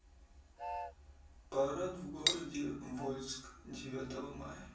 парад в городе вольск девятого мая